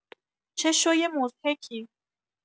چه شوی مضحکی